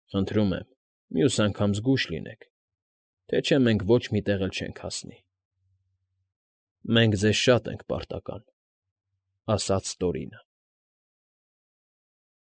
Խնդրում եմ, մյուս անգամ զգույշ լինեք, թե չէ մենք ոչ մի տեղ էլ չենք հասնի… ֊ Մենք ձեզ շատ ենք պարտական,֊ ասաց Տորինը։